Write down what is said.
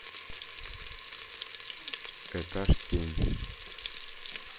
этаж семь